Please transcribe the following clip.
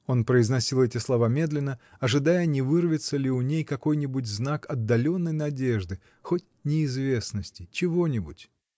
Он произносил эти слова медленно, ожидая, не вырвется ли у ней какой-нибудь знак отдаленной надежды, хоть неизвестности, чего-нибудь.